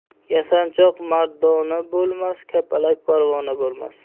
yasanchoq mardona bo'lmas kapalak parvona bo'lmas